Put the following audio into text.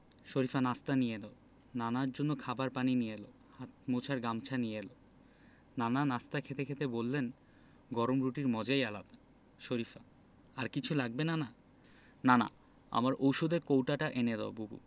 শরিফা নাশতা নিয়ে এলো নানার জন্য খাবার পানি নিয়ে এলো হাত মোছার গামছা নিয়ে এলো নানা নাশতা খেতে খেতে বললেন গরম রুটির মজাই আলাদা শরিফা আর কিছু লাগবে নানা নানা আমার ঔষধের কৌটোটা এনে দাও বুবু